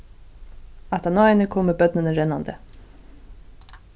aftan á henni komu børnini rennandi